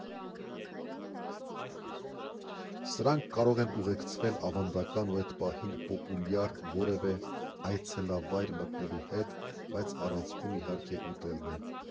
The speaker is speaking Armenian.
Սրանք կարող են ուղեկցվել ավանդական ու էդ պահին պոպուլյար որևէ այցելավայր մտնելու հետ, բայց առանցքում իհարկե ուտելն է։